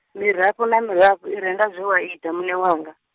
mirafho na mirafho i renda zwe wa ita muṋe wanga.